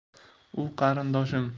u qarindoshim